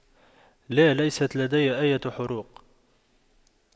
لا ليست لدي اية حروق